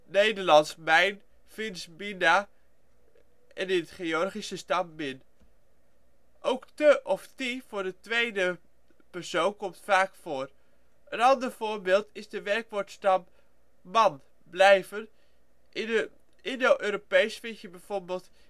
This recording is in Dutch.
Nederlands: mijn, Fins: minä, in het Georgisch de stam min). Ook te of ti voor de tweede persoon komt vaak voor. Een ander voorbeeld is de werkwoordstam man - (blijven). In het Indo-Europees vind je bijvoorbeeld